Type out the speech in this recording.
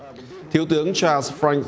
thiếu tướng trà ba phây